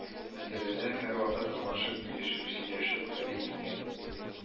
Мәсьәләләр һәрвакыт аңлашып, килешеп, сөйләшеп хәл ителгән